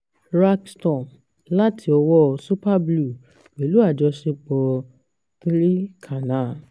2. "Rag Storm" láti ọwọ́ọ Super Blue, pẹ̀lú àjọṣepọ̀ 3 Canal